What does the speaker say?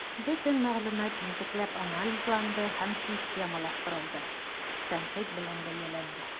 Бөтен мәгълүмат җентекләп анализланды һәм системалаштырылды, тәнкыйть белән бәяләнде.